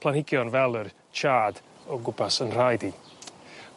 planhigion fel yr chard o gwpas 'yn nrhaed i.